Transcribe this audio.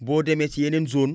boo demee ci yeneen zone